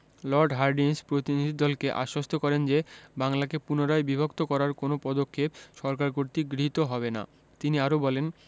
Lord Hardinge প্রতিনিধিদলকে আশ্বস্ত করেন যে বাংলাকে পুনরায় বিভক্ত করার কোনো পদক্ষেপ সরকার কর্তৃক গৃহীত হবে না তিনি আরও বলেন